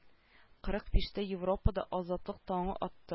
Кырык биштә европада азатлык таңы атты